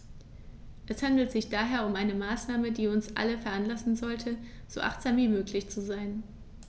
Es handelt sich daher um eine Maßnahme, die uns alle veranlassen sollte, so achtsam wie möglich zu sein.